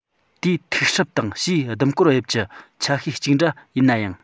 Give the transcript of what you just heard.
དེའི མཐུག སྲབ དང ཕྱིའི ཟླུམ གོར དབྱིབས ཀྱི ཆ ཤས གཅིག འདྲ ཡིན ནའང